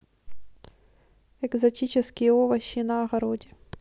экзотические овощи на огороде